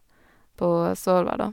På Svolvær, da.